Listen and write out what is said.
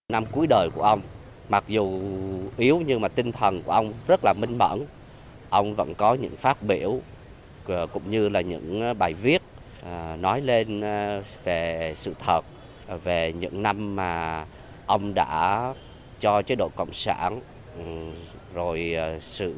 năm cuối đời của ông mặc dù yếu nhưng mà tinh thần của ông rất là minh mẫn ông vẫn có những phát biểu cũng như là những bài viết nói lên về sự thật về những năm mà ông đã cho chế độ cộng sản rồi sự